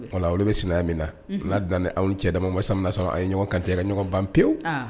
O tuma na olu bɛ sinaya min na n'a dan na anw cɛ dama dis tun b'a sɔrɔ a ye ɲɔgɔn kantigɛ ka ɲɔgɔn ban pewu, ayiwa.